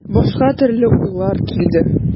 Башка төрле уйлар килде.